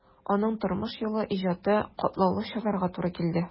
Аның тормыш юлы, иҗаты катлаулы чорларга туры килде.